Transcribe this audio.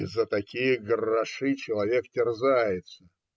- И за такие гроши человек терзается!